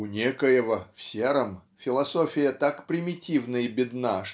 У Некоего в сером философия так примитивна и бедна